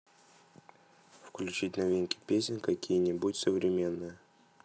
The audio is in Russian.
включить новинки песен какие нибудь современные